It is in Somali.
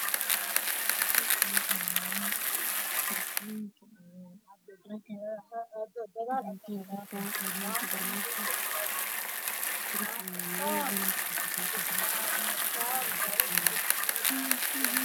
Halkaan waxa yaalo farasiinka dharka iyosubar markeed lambarkiisa kala soo xariir